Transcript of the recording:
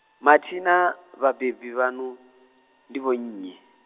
mathina, vhabebi vhaṋu, ndi vho nnyi?